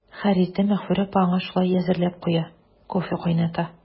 Һәр иртә Мәгъфүрә апа аңа шулай әзерләп куя, кофе кайната.